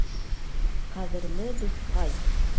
Кадерле дускай!